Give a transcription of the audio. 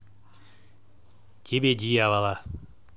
тебе дьявола